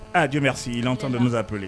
Aa jamu a si' anwtɔn dɔn musa to